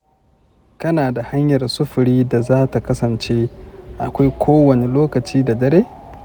kana da hanyar sufuri da za ta kasance akwai kowane lokaci na dare?